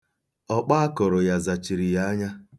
Ọkpọ a kụrụ ya zachiri ya anya.